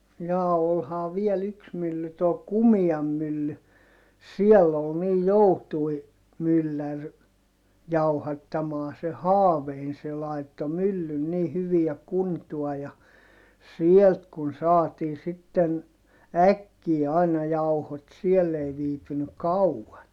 jaa olihan vielä yksi mylly tuo Kumian mylly siellä oli niin joutui mylläri jauhattamaan se Haaveinen se laittoi myllyn niin hyviä kuntoon ja sieltä kun saatiin sitten äkkiä aina jauhot siellä ei viipynyt kauan